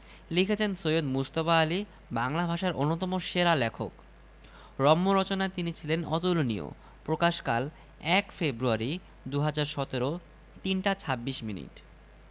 লিখেছেনঃ সৈয়দ মুজতবা আলী বাংলা ভাষার অন্যতম সেরা লেখক রম্য রচনায় তিনি ছিলেন অতুলনীয় প্রকাশকালঃ ০১ ফেব্রুয়ারী ২০১৭ ৩টা ২৬ মিনিট